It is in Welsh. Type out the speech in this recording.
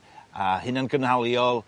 a hunan gynaliol